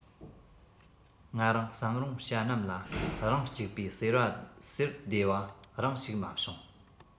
ང རང བསམ རུང བྱ རྣམས ལ རང གཅིག པོས ཟེར བདེ བ རང ཞིག མ བྱུང